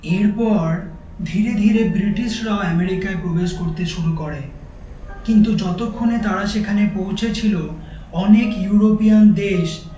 এরপর ধীরে ধীরে ব্রিটিশরাও এমেরিকায় প্রবেশ করতে শুরু করে কিন্তু যতক্ষণে তারা সেখানে পৌঁছে ছিল অনেক ইউরোপিয়ান দেশ